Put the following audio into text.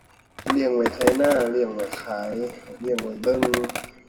เลี้ยงไว้ไถนา เลี้ยงไว้ขาย เลี้ยงไว้เบิ่ง